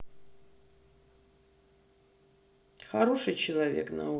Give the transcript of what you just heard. хороший человек наука